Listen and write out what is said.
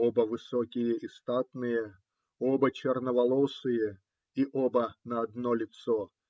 Оба высокие и статные, оба черноволосые, и оба на одно лицо